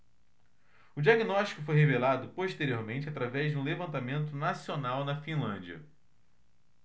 o diagnóstico foi revelado posteriormente através de um levantamento nacional na finlândia